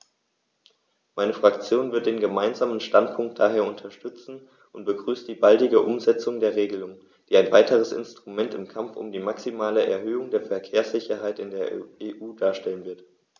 Meine Fraktion wird den Gemeinsamen Standpunkt daher unterstützen und begrüßt die baldige Umsetzung der Regelung, die ein weiteres Instrument im Kampf um die maximale Erhöhung der Verkehrssicherheit in der EU darstellen wird.